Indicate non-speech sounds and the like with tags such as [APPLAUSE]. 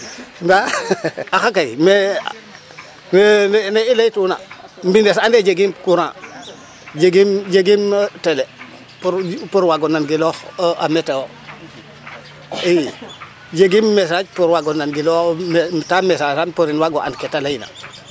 Ndaa [LAUGHS] axa kay me me i laytuna mbindes andee yee jegiim courant jegiim télé pour waag o nangiloox a a metewo i jegiim message pour waago nangiloox ka message am pour waag o and ke ta layna